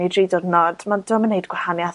neu dri diwrnod. Ma'n 'di o'm yn neud gwahaniath...